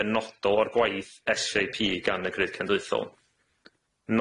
benodol o'r gwaith Ess Ay Pee gan y grid cenedleuthol.